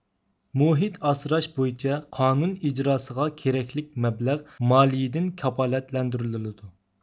مۇھىت ئاسراش بويىچە قانۇن ئىجراسىغا كېرەكلىك مەبلەغ مالىيىدىن كاپالەتلەندۈرۈلىدۇ